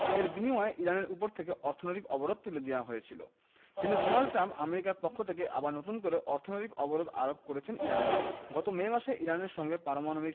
এর বিনিময়ে ইরানের ওপর থেকে অর্থনৈতিক অবরোধ তুলে দেওয়া হয়েছিল কিন্তু ডোনাল্ড ট্রাম্প আমেরিকার পক্ষ থেকে আবার নতুন করে অর্থনৈতিক অবরোধ আরোপ করেছেন ইরানের ওপর গত মে মাসে ইরানের সঙ্গে পারমাণবিক